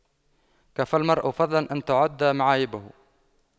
كفى المرء فضلا أن تُعَدَّ معايبه